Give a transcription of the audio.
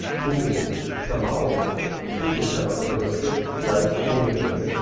Kugel (Kugelcharakteristik = ungerichtet